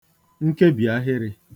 nkebìahịrị̄